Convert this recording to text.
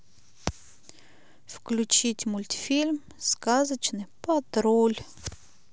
включить мультфильм сказочный патруль